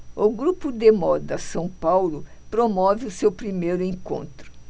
o grupo de moda são paulo promove o seu primeiro encontro